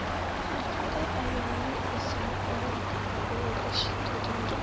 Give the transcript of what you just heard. har qanday ayolning esini o'g'irlashi turgan gap